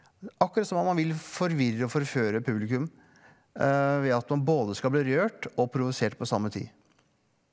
akkurat som om han vil forvirre og forføre publikum ved at man både skal bli rørt og provosert på samme tid.